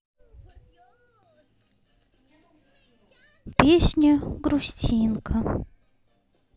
песня грустинка